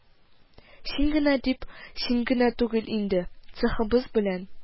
Син генә дип, син генә түгел инде: цехыбыз белән